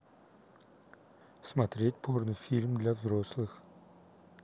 смотреть порно фильм для взрослых